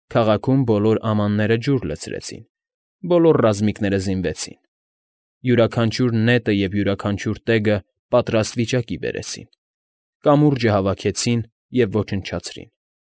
Քաղաքում բոլոր ամանները ջուր լցրեցին, բոլոր ռազմիկները զինվեցին, յուրաքանչյուր նետը և յուրաքանչյուր տեգը պատրաստ վիճակի բերեցին, կամուրջը հավաքեցին և ոչնչացրին։